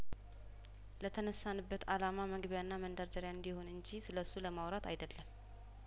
ለተነሳንበት አላማ መግቢያና መንደርደሪያ እንዲሆን እንጂ ስለሱ ለማውራት አይደለም